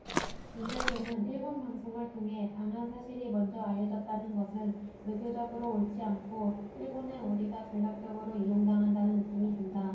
윤 대표는 일본 방송을 통해 방한 사실이 먼저 알려졌다는 것은 외교적으로 옳지 않고 일본에 우리가 전략적으로 이용당한다는 느낌이 든다